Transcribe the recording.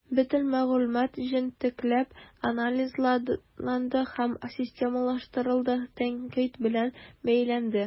Бөтен мәгълүмат җентекләп анализланды һәм системалаштырылды, тәнкыйть белән бәяләнде.